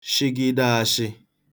shịgide āshị̄